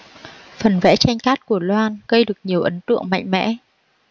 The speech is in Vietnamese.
phần vẽ tranh cát của loan gây được nhiều ấn tượng mạnh mẽ